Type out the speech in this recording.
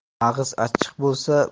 mag'iz achchiq bo'lsa